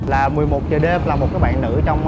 là mười một giờ đêm là một cái bạn nữ trong